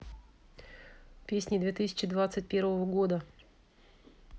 песни две тысячи двадцать первого года